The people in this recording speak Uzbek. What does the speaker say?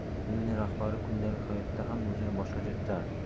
ruminiya rahbari kundalik hayotda ham o'zini boshqacha tutardi